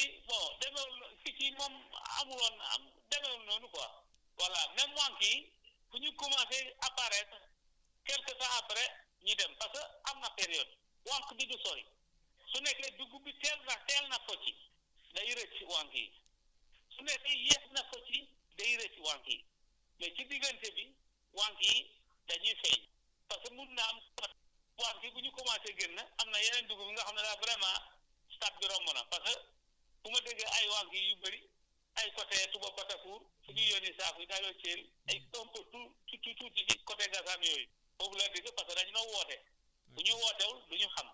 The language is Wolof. non yàqu-yàqu yi ren ci fi jii bon demeewul noo ci fii moom amul woon am demeewul noonu quoi voilà même wànq yi fu ñu commencer apparaitre quelques temps après ñu dem parce que am na période wànq du ñu sori su nekkee dugub bi teel na teel na fojji dañuy rëcc wànq yi su nekkee yéex na fojji day rëcc wànq yi mais si diggante bi wànq yi dañuy feeñ parce que mun naa am soit wànq yi bu ñu commencer génn am na yeneen dugub yu nga xam ne daal vraiment statde bi romb na parce que su ma déggee ay wànq yu bëri ay côté Subakotefour fu ñuy yónni saako yi dinaa séen ay toq tuu tuuti tuuti ci côté Ngasane yooyu foofu laa dëkk parce que dañ ma woote bu ñu wootewul du ñu xam